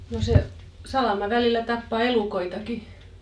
no se salama välillä tappaa elukoitakin